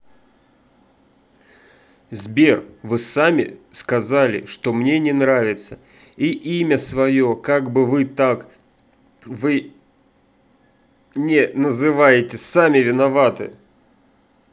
сбер вы сами сказали что мне не нравится и имя свое как бы вы так вы не называете сами виноваты